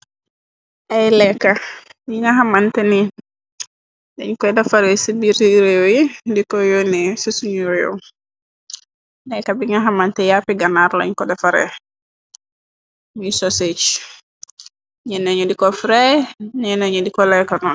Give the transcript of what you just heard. Ay leeka yi nga xamante ni, dañu koy defare ci bir réew yi diko yoonee ci suñu réew, leeka bi nga xamante yàppi ganar loñ ko defare, muy sosic, ñenoñu di ko frey, ñeeno ñu diko leekono.